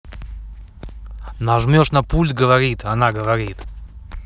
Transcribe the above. нажмешь на пульт говорит она говорит